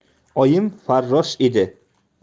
oyim farrosh edi